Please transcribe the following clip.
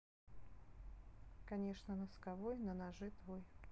конечно носковой на ножи твой